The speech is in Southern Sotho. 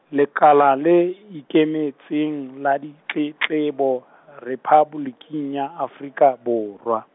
Lekala le Ikemetseng la Ditletlebo, Rephaboliki ya Afrika Borwa.